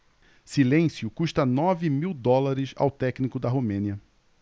silêncio custa nove mil dólares ao técnico da romênia